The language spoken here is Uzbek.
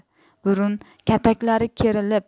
burun kataklari kerilib